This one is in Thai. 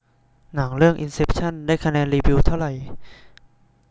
หนังเรื่องอินเซปชั่นได้คะแนนรีวิวเท่าไหร่